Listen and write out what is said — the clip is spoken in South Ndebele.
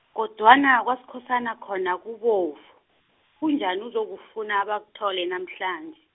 kodwana kwaSkhosana khona kubovu, kunjani uzokufuna abakuthole namhlanje.